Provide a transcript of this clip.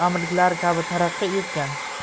arab amirliklari kabi taraqqiy etgan